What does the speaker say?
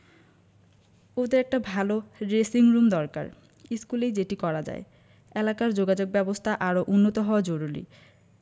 ওদের একটা ভালো ড্রেসিংরুম দরকার স্কুলেই যেটি করা যায় এলাকার যোগাযোগব্যবস্থা আরও উন্নত হওয়া জরুলি